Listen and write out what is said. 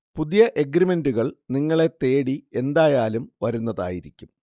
പുതിയ എഗ്രീമെന്‍റുകൾ നിങ്ങളെ തേടി എന്തായാലും വരുന്നതായിരിക്കും